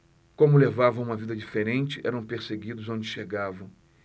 como levavam uma vida diferente eram perseguidos onde chegavam